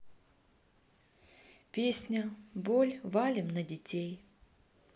песня боль валим на детей